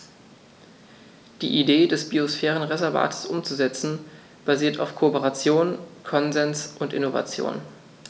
Die Idee des Biosphärenreservates umzusetzen, basiert auf Kooperation, Konsens und Innovation.